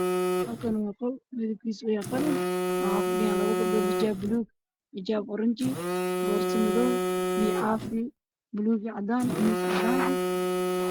Halkaani waaqol midabkisuyahy qalin waxaa fadhiyan labo gabdhod xijaab baluug xijaab oranaji boorso madaw biyo caafi baluug iyo cadaan khamiis cadaneh